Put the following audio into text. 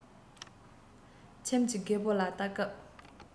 ཁྱིམ གྱི རྒད པོ ལ ལྟ སྐབས